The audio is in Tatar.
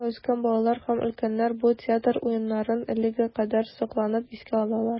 Бу йортта үскән балалар һәм дә өлкәннәр бу театр уеннарын әлегә кадәр сокланып искә алалар.